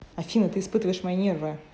афина ты испытываешь мои нервы